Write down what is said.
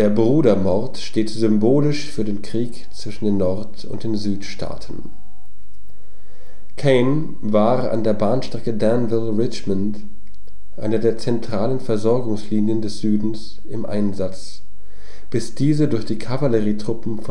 Brudermord steht symbolisch für den Krieg zwischen den Nord - und den Südstaaten. Caine war an der Bahnstrecke Danville – Richmond, einer der zentralen Versorgungslinien des Südens, im Einsatz, bis diese durch die Kavallerietruppen